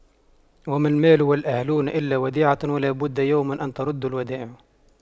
وما المال والأهلون إلا وديعة ولا بد يوما أن تُرَدَّ الودائع